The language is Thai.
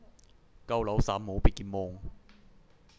เกาเหลาสามหมูปิดกี่โมง